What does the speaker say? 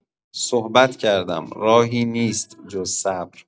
صحبت کردم، راهی نیست جز صبر